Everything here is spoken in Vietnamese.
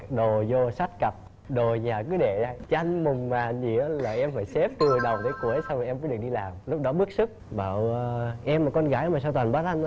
đồ vô sách cặp đồ nhà cứ để chăn mùng màn dĩa là em phải xếp từ đầu đến cuối xong rồi em mới được đi làm lúc đó bức xức bảo em là con gái mà sao toàn bắt anh